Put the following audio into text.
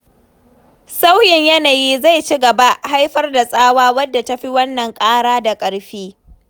Sauyin yanayi zai ci gaba haifar da tsawa wadda ta fi wannan ƙara da ƙarfi.